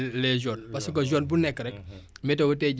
météo tey jii am na fa ay cibles yoo xamante ne information bi